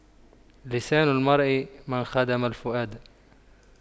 لسان المرء من خدم الفؤاد